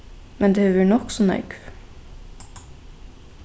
men tað hevur verið nokk so nógv